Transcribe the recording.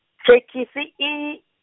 thekhisi i.